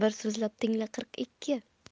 bir so'zlab tingla qirq ikki